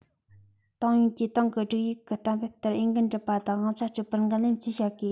ཏང ཡོན གྱིས ཏང གི སྒྲིག ཡིག གི གཏན འདེབས ལྟར འོས འགན སྒྲུབ པ དང དབང ཆ སྤྱོད པར འགན ལེན བཅས བྱ དགོས